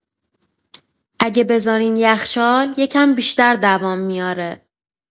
اگه بذارین یخچال، یکم بیشتر دوام میاره.